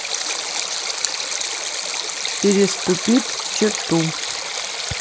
переступить черту